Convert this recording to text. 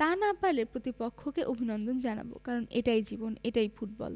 তা না পারলে প্রতিপক্ষকে অভিনন্দন জানাব কারণ এটাই জীবন এটাই ফুটবল